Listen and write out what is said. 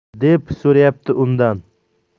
deb surayapti undan